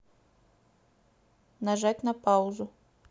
нажать на паузу